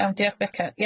Iawn diolch Beca.